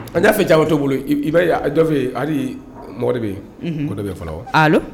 A y'a fɛ ca to bolo i dɔ fɛ ye hali mɔgɔ de bɛ yen mɔ de bɛ fɔlɔ wa